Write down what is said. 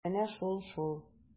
Менә шул-шул!